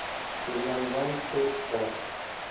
kuygandan kul chiqar